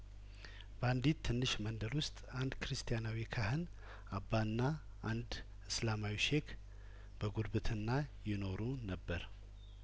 በአንዲት ትንሽ መንደር ውስጥ አንድ ክርስቲያናዊ ካህን አባ እና አንድ እስላማዊ ሼክ በጉርብትና ይኖሩ ነበር